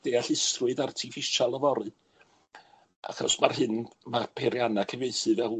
deallusrwydd artiffisial yfory achos ma'r hyn ma' peirianna cyfieithu fel